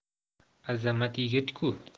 azamat yigit ku